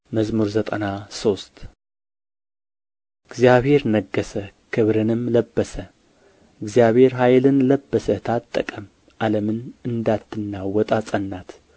መዝሙር ዘጠና ሶስት እግዚአብሔር ነገሠ ክብርንም ለበሰ እግዚአብሔር ኃይልን ለበሰ ታጠቀም ዓለምን እንዳትናወጥ አጸናት